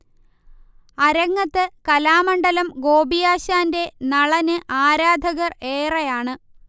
അരങ്ങത്ത് കലാമണ്ഡലം ഗോപിയാശാന്റെ നളന് ആരാധകർ ഏറെയാണ്